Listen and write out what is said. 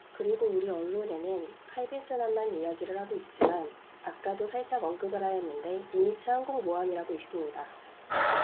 그리고 우리 언론에는 칼빈슨함만 이야기를 하고 있지만 아까 도 살짝 언급을 하셨는데 니미츠 항공모함이라고 있습니다